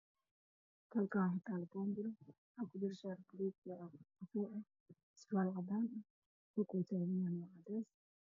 Waa boombalo caddaan waxaa ku jiro shaati caleema caleemo ku sawiran yahay